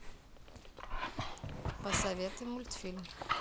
посоветуй мультфильм